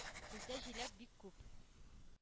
Бездә җиләк бик күп.